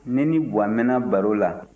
ne ni baba mɛnna baro la